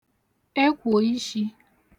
ekwò ishī